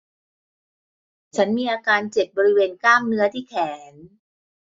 ฉันมีอาการเจ็บบริเวณกล้ามเนื้อที่แขน